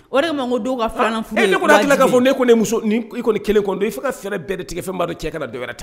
O de ma ko ka ne fɔ ne kɔni kelen don i ka fɛɛrɛ bɛɛ de tigɛkɛ fɛn'dɔ cɛ ka bɛɛɛrɛ ten